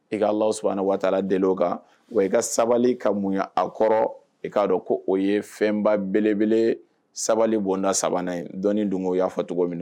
I ka sana waati deli kan wa i ka sabali ka mun a kɔrɔ i k'a dɔn ko o ye fɛnba belebele sabali bɔnda sabanan dɔn don o y'a fɔ cogo min na